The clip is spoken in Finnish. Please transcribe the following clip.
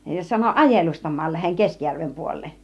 sanoi ajelustamaan lähden Keskijärven puoleen